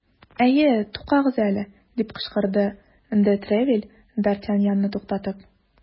Әйе, тукагыз әле! - дип кычкырды де Тревиль, д ’ Артаньянны туктатып.